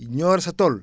ñoo yor sa tool